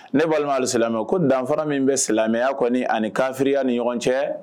Ne balimaale silamɛmɛ ko danfara min bɛ silamɛya kɔni ani kanfiya ni ɲɔgɔn cɛ